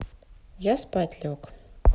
я спать лег